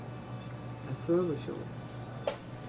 ein føgur sjón